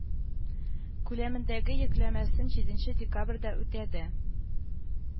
Күләмендәге йөкләмәсен җиденче декабрьдә үтәде